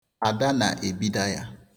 Ada na-ebida ya.